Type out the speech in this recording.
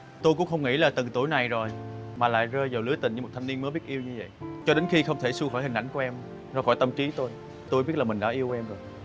tôi cũng không nghĩ là từng tuổi này rồi mà lại rơi vào lưới tình như một thanh niên mới biết yêu như vậy cho đến khi không thể xua khỏi hình ảnh của em ra khỏi tâm trí tôi tôi biết là mình đã yêu em rồi